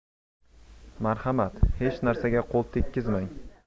marhamat hech narsaga qo'l tekkizmang